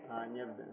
an ñebbe